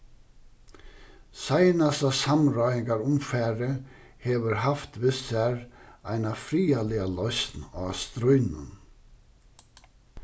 seinasta samráðingarumfarið hevur havt við sær eina friðarliga loysn á stríðnum